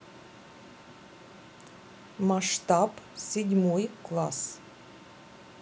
масштаб седьмой класс